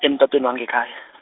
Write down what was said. emtatweni wange khaya .